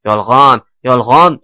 yolg'on yolg'on